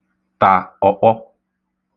tà ọ̀kpọ